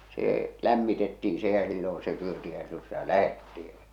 se lämmitettiin se ja silloin se syötiin ja silloin sitä lähdettiin ja